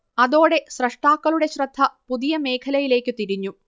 അതോടെ സ്രഷ്ടാക്കളുടെ ശ്രദ്ധ പുതിയമേഖലയിലേക്കു തിരിഞ്ഞു